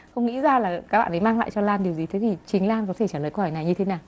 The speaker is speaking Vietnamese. không nghĩ ra là các bạn ấy mang lại cho lan điều gì thế thì chính lan có thể trả lời câu hỏi này như thế nào